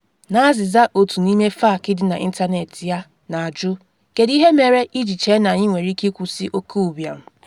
N’azịza otu n’ime FAQ dị na ịntanetị ya, na-ajụ, “kedu ihe mere iji chee na anyị nwere ike ịkwụsị oke ụbịam?”